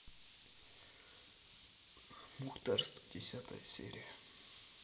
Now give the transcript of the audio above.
мухтар сто десятая серия